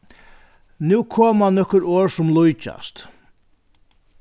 nú koma nøkur orð sum líkjast